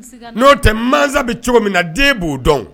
N'o tɛ masa bɛ cogo min na den b'o dɔn